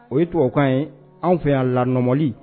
O ye tokan ye an fɛ yan lamli